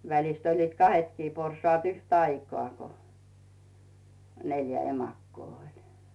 välistä olivat kahdetkin porsaat yhtä aikaa kun neljä emakkoa oli